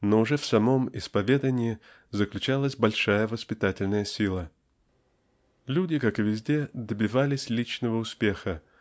но уже в самом исповедании заключалась большая воспитательная сила. Люди как и везде добивались личного успеха